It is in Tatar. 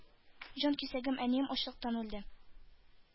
Җанкисәгем — әнием — ачлыктан үлде.